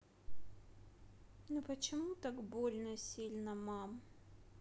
ну почему так больно сильно мам